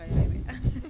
Yɛrɛ